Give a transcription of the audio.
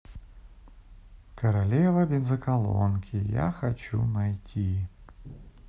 королева бензоколонки я хочу найти